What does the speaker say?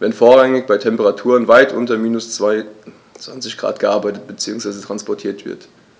wenn vorrangig bei Temperaturen weit unter minus 20º C gearbeitet bzw. transportiert wird.